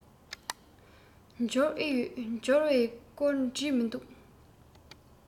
འབྱོར ཨེ ཡོད འབྱོར བའི སྐོར བྲིས མི འདུག